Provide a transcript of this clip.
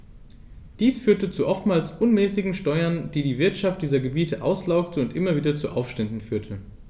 Dies führte zu oftmals unmäßigen Steuern, die die Wirtschaft dieser Gebiete auslaugte und immer wieder zu Aufständen führte.